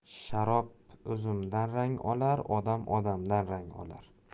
sharob uzumdan rang olar odam odamdan rangtolar